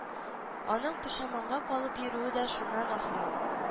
Аның пошаманга калып йөрүе дә шуннан ахры